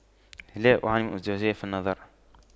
لا أعاني من ازدواجية في النظر